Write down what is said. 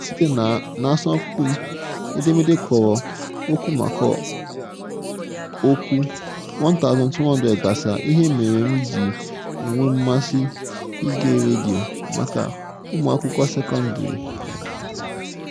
Ọ malitere site n'asọmpi edemede kpọrọ oku maka okwu 1,200 gbasara "ihe mere m ji enwe mmasị ige redio" maka ụmụ akwụkwọ sekọndrị.